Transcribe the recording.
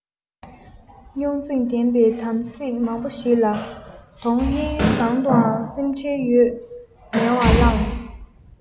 རྙོག འཛིང ལྡན པའི གདམ གསེས མང བོ ཞིག ལ གདོང གཡས གཡོན གང དུའང སེམས ཁྲལ ཡོད ངལ བ བསླངས